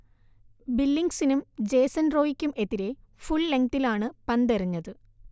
ബില്ലിങ്സിനും Jason റോയിക്കും എതിരെ ഫുൾലെങ്തിലാണു പന്തെറിഞ്ഞത്